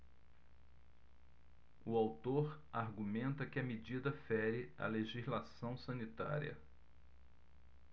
o autor argumenta que a medida fere a legislação sanitária